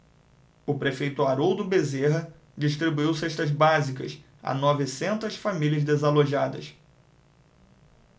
o prefeito haroldo bezerra distribuiu cestas básicas a novecentas famílias desalojadas